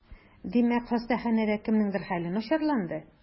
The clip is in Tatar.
Димәк, хастаханәдә кемнеңдер хәле начарланды?